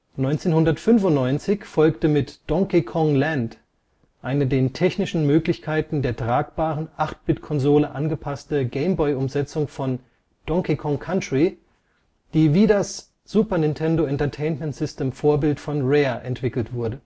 1995 folgte mit Donkey Kong Land eine den technischen Möglichkeiten der tragbaren 8-Bit-Konsole angepasste Game-Boy-Umsetzung von Donkey Kong Country, die wie das SNES-Vorbild von Rare entwickelt wurde